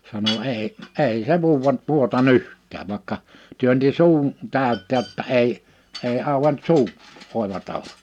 sanoi ei ei se vuoda vuotanut yhtään vaikka työnsi suun täyteen jotta ei ei auennut suu oiva tavalla